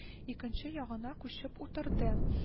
Икенче ягына күчеп утырды